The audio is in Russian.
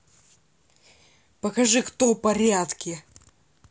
покажи кто порядки